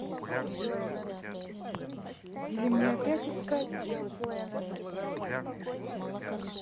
или мне опять искать